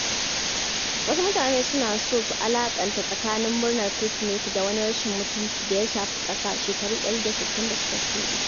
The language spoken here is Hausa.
Wasu mutane suna so su alaƙanta tsakanin murnar Kirsimeti da wani rashin mutuncin da ya shafi ƙasa shekaru 160 da suka shuɗe.